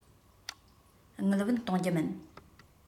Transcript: དངུལ བུན གཏོང རྒྱུ མིན